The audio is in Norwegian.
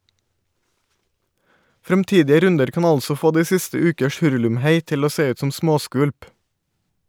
Fremtidige runder kan altså få de siste ukers hurlumhei til å se ut som småskvulp.